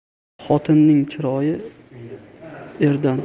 xotinning chiroyi erdan